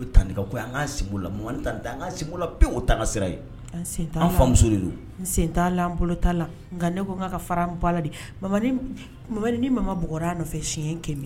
Tan an la tan an la pe o ta sira ye an an famuso don n sen t' an bolo t la nka ne ko n ka fara bala de ni ma b nɔfɛ siɲɛ kɛ min